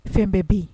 Fɛn bɛ bi